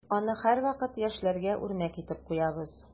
Аны һәрвакыт яшьләргә үрнәк итеп куябыз.